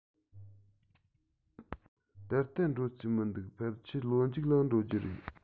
ད ལྟ འགྲོ རྩིས མི འདུག ཕལ ཆེར ལོ མཇུག ལ འགྲོ རྒྱུ རེད